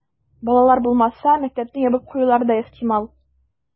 Балалар булмаса, мәктәпне ябып куюлары да ихтимал.